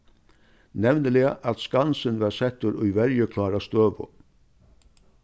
nevniliga at skansin varð settur í verjuklára støðu